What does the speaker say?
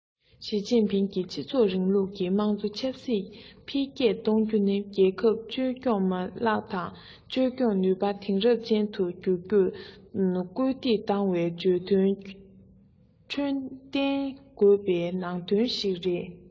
ཞིས ཅིན ཕིང གིས སྤྱི ཚོགས རིང ལུགས ཀྱི དམངས གཙོ ཆབ སྲིད འཕེལ རྒྱས གཏོང རྒྱུ ནི རྒྱལ ཁབ བཅོས སྐྱོང མ ལག དང བཅོས སྐྱོང ནུས པ དེང རབས ཅན དུ འགྱུར རྒྱུར སྐུལ འདེད གཏོང བའི བརྗོད དོན ཁྲོད ལྡན དགོས པའི ནང དོན ཞིག རེད